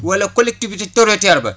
wala collectivité terrotoriale ba